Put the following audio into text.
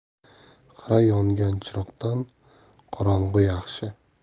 xira yongan chiroqdan qorong'i yaxshi